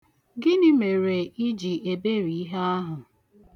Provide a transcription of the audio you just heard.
Gịnị mere ị ji eberi ihe ahụ?